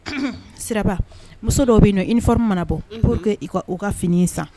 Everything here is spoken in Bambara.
Siraba muso dɔw bɛ ifa manabɔo i ka fini san